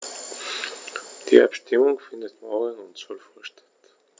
Die Abstimmung findet morgen um 12.00 Uhr statt.